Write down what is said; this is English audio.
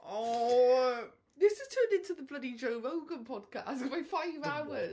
Oh... this has turned into the bloody Joe Rogan podcast by five hours.... The what?